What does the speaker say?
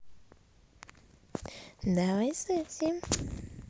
давай секси